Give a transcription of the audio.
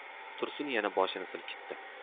tursun yana boshini silkitdi